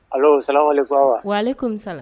Sa walekura wa ale kɔmimisa